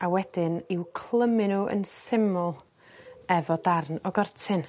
A wedyn i'w clymu n'w yn syml efo darn o gortyn.